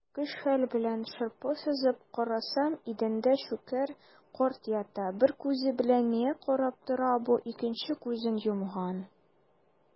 Көч-хәл белән шырпы сызып карасам - идәндә Щукарь карт ята, бер күзе белән миңа карап тора бу, икенче күзен йомган.